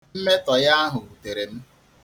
Mmetọ ya ahụ wutere m.